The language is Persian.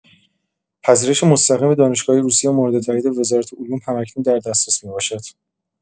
پذیرش مستقیم دانشگاه‌‌های روسیه مورد تایید وزارت علوم هم‌اکنون در دسترس می‌باشد.